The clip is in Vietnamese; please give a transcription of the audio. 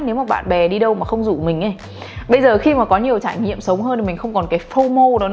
nếu mà bạn bè đi đâu mà không rủ mình ấy bây giờ khi mà có nhiều trải nghiệm sống hơn mình không còn cái fomo đó nữa tức là